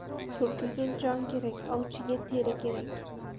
tulkiga jon kerak ovchiga teri kerak